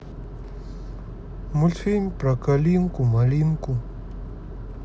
мультфильм про калинку малинку